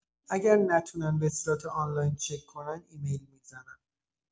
اگر نتونن به صورت آنلاین چک کنن ایمیل می‌زنن